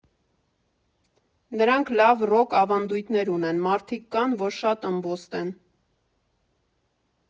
Նրանք լավ ռոք ավանդույթներ ունեն, մարդիկ կան, որ շատ ըմբոստ են։